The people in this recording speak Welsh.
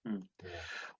Hmm ia.